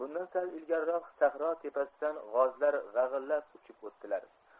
bundan sal ilgariroq sahro tepasidan g'ozlar g'ag'illab uchib o'tdilar